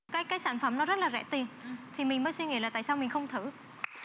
cái cái sản phẩm nó rất là rẻ tiền thì mình mới suy nghĩ là tại sao mình không thử